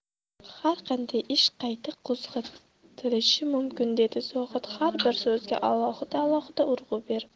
har qanday ish qayta qo'zg'otilishi mumkin dedi zohid har bir so'zga alohida alohida urg'u berib